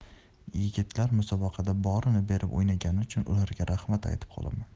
yigitlar musobaqada borini berib o'ynagani uchun ularga rahmat aytib qolaman